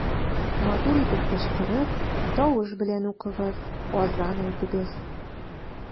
Матур итеп кычкырып, тавыш белән укыгыз, азан әйтегез.